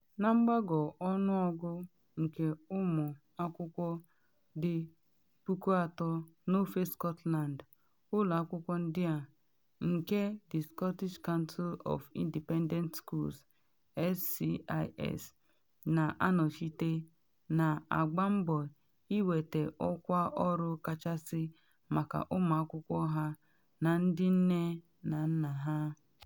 Na mgbago ọnụọgụ nke ụmụ akwụkwọ 30,000 n’ofe Scotland, ụlọ akwụkwọ ndị a, nke The Scottish Council of Independent Schools (SCIS) na anọchite, na agba mbọ iwete ọkwa ọrụ kachasị maka ụmụ akwụkwọ ha na ndị nne na nna ha.